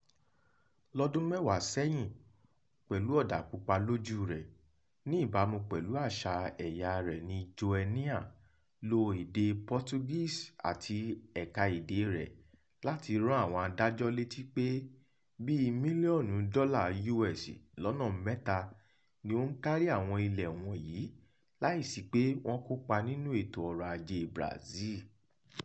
Lọ́dún mẹ́wàá sẹ́yìn, pẹ̀lú ọ̀dà pupa lójúu rẹ̀, ní ìbámu pẹ̀lú àṣà ẹ̀yàa rẹ̀ ni Joenia lo èdè Portuguese àti ẹ̀ka-èdèe rẹ̀ láti rán àwọn adájọ́ létí pé bíi mílíọ̀nù dọ́là US lọ́nà mẹ́ta ni ó ń kárí àwọn ilẹ̀ wọ̀nyí láìsí pé wọ́n kópa nínú ètò ọrọ̀-ajée Brazil.